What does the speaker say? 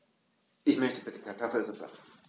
Ich möchte bitte Kartoffelsuppe.